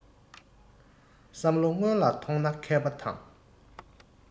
བསམ བློ སྔོན ལ ཐོངས ན མཁས པ དང